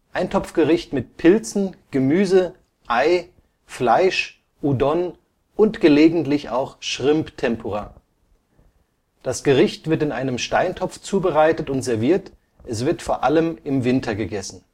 Eintopfgericht mit Pilzen, Gemüse, Ei, Fleisch, Udon und gelegentlich auch Shrimp-Tempura. Das Gericht wird in einem Steintopf zubereitet und serviert, es wird vor allem im Winter gegessen